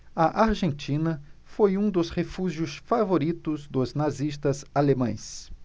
a argentina foi um dos refúgios favoritos dos nazistas alemães